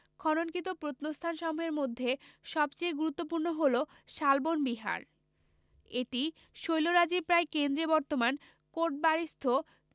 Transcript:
খননকৃত প্রত্নস্থানসমূহের মধ্যে সবচেয়ে গুরুত্বপূর্ণ হলো শালবন বিহার এটি শৈলরাজির প্রায় কেন্দ্রে বর্তমান কোটবাড়িস্থ